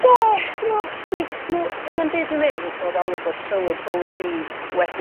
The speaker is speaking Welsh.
Ie dwi me'l dwi hyna'n byd dwi'n mynd dwi'n syweddoli bod trywydd bywyd fi wedi